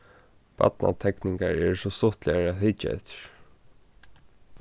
barnatekningar eru so stuttligar at hyggja eftir